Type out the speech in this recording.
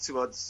ti 'bods